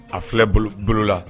A filɛ bolola